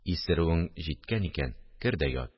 Исерүең җиткән икән, кер дә ят